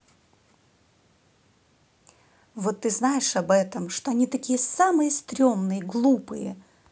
вот ты знаешь об этом то что они такие самые стремные глупые